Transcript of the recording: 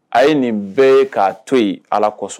A ye nin bɛɛ ye k'a to yen ala kosɔn.